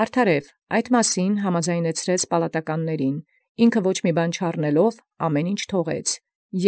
Վասն որոյ հաւանեցուցեալ ճշմարտին զարքունիսն, անընկալ թողոյր։